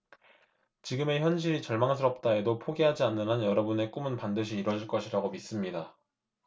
지금의 현실이 절망스럽다 해도 포기하지 않는 한 여러분의 꿈은 반드시 이뤄질 것이라고 믿습니다